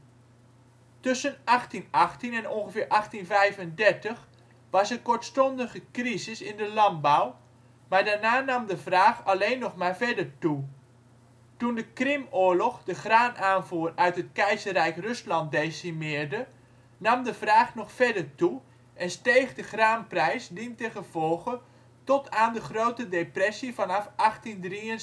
Tussen 1818 en ongeveer 1835 was er kortstondige crisis in de landbouw, maar daarna nam de vraag alleen nog maar verder toe. Toen de Krimoorlog de graanaanvoer uit het Keizerrijk Rusland decimeerde, nam de vraag nog verder toe en steeg de graanprijs dientengevolge tot aan de Grote Depressie vanaf 1873